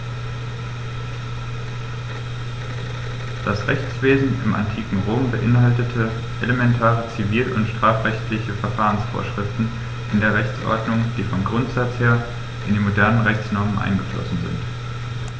Das Rechtswesen im antiken Rom beinhaltete elementare zivil- und strafrechtliche Verfahrensvorschriften in der Rechtsordnung, die vom Grundsatz her in die modernen Rechtsnormen eingeflossen sind.